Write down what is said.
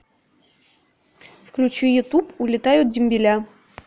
включи ютуб улетают дембеля